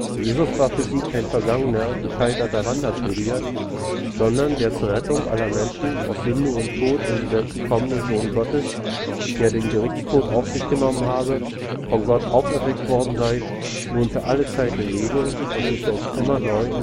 Jesus war für sie kein vergangener gescheiterter Wanderprediger, sondern der zur Rettung aller Menschen aus Sünde und Tod in die Welt gekommene Sohn Gottes, der den Gerichtstod auf sich genommen habe, von Gott auferweckt worden sei, nun für alle Zeiten lebe und sich selbst immer neu